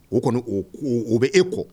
O kɔni o u bɛ e kɔ